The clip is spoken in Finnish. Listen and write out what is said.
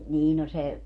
niin no se